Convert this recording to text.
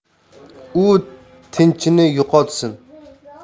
u tinchini yo'qotsin